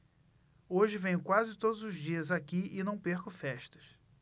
hoje venho quase todos os dias aqui e não perco festas